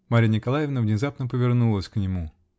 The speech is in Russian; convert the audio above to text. Марья Николаевна внезапно повернулась к нему.